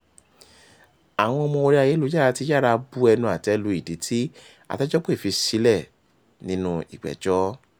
Àwọn ọmọ orí ayélujára ti yára bu ẹnu àtẹ́ lu ìdí tí àtẹ́jọ́pè fi sílẹ̀ nínú ìgbẹ́jọ́.